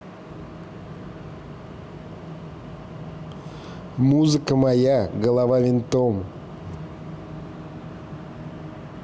музыка моя голова винтом